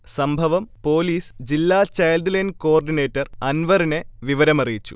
സംഭവം പൊലീസ് ജില്ലാ child line coordinator അൻവറിനെ വിവരമറിയിച്ചു